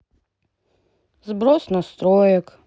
сброс настроек